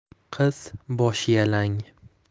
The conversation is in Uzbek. qiz bosh yalang